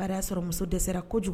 A b'a sɔrɔ muso dɛsɛra kojugu